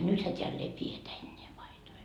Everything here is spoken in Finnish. nythän täällä ei pidetä enää paitoja